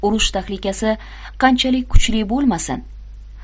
urush tahlikasi qanchalik kuchli bo'lmasin